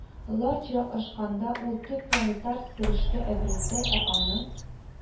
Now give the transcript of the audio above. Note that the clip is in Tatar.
Лар чиратлашканда, ул төп планетар сөрешкә әверелде, ә аның